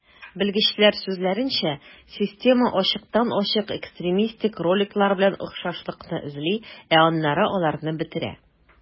Белгечләр сүзләренчә, система ачыктан-ачык экстремистик роликлар белән охшашлыкны эзли, ә аннары аларны бетерә.